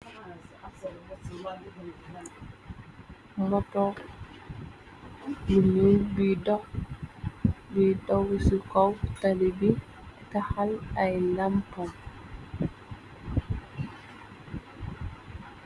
Moto bu ñuul bi doh bi daw ci kaw tali bi, tahal ay lampam.